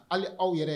Hali aw yɛrɛ